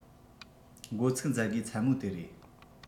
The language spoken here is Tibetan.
འགོ ཚུགས མཛད སྒོའི མཚན མོ དེ རེད